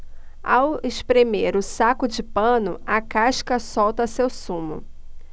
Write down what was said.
ao espremer o saco de pano a casca solta seu sumo